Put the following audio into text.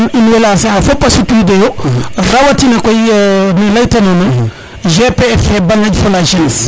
kon in way lancer a fopa sutwidoyo rawatina koy ne leyta nona GPF fe Mbangagn fo la jeunesse